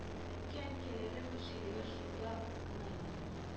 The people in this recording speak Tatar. Әткә-әнкәләре хөршидәгә шунда гына әйтәләр